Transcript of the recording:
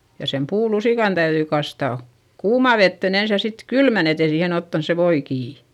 ja sen puulusikan täytyi kastaa kuumaan veteen ensin ja sitten kylmään että ei siihen ottanut se voi kiinni